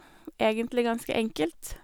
Egentlig ganske enkelt.